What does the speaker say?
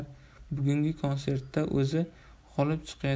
bugungi konsertda o'zi g'oiib chiqayotganini